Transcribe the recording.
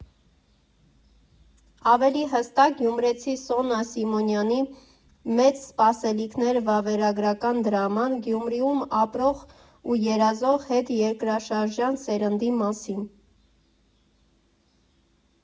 Ավելի հստակ՝ գյումրեցի Սոնա Սիմոնյանի «Մեծ սպասելիքներ» վավերագրական դրաման՝ Գյումրիում ապրող ու երազող հետերկրաշարժյան սերնդի մասին։